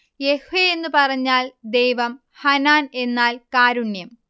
യെഹയെ എന്നു പറഞ്ഞാൽ ദൈവം, ഹനാൻ എന്നാൽ കാരുണ്യം